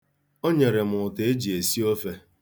O nyere m ụtọ e ji esi ofe.